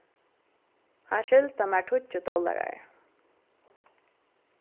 hann skyldar mær tíggju dollarar